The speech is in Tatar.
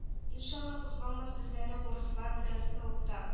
Иншалла кузгалмас без әлегә урыслар белән солыхта